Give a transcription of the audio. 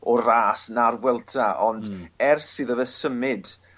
o ras na'r Vuelta ond... Hmm. ...ers iddo fe symud